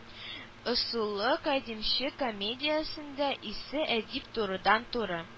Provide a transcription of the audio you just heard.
Ысулы кадимче комедиясендә исә әдип турыдан-туры